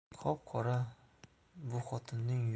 qop qora buxotinning